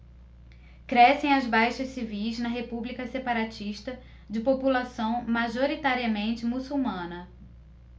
crescem as baixas civis na república separatista de população majoritariamente muçulmana